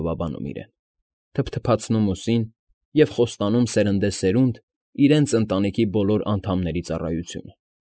Գովաբանում իրեն, թփթփացնում ուսին և խոստանում սերնդե սերունդ իրենց ընտանիքի բոլոր անդամների ծառայությունը։